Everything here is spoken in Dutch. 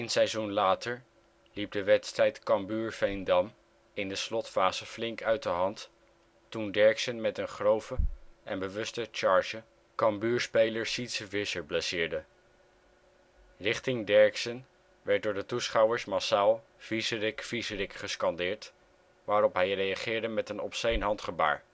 seizoen later liep de wedstrijd Cambuur-Veendam in de slotfase flink uit de hand toen Derksen met een grove en bewuste charge Cambuurspeler Sietze Visser blesseerde. Richting Derksen werd door de toeschouwers massaal " viezerik, viezerik " gescandeerd, waarop hij reageerde met een obsceen handgebaar